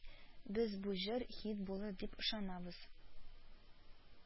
Без бу җыр хит булыр дип ышанабыз